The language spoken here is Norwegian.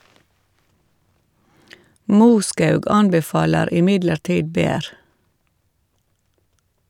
Moskaug anbefaler imidlertid bær.